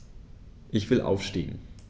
Ich will aufstehen.